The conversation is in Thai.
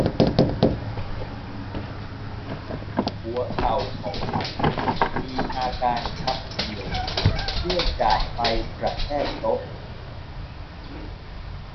หัวเข่าของฉันมีอาการช้ำเขียวเนื่องจากไปกระแทกโต๊ะ